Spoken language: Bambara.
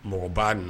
Mɔgɔ b'a ninnu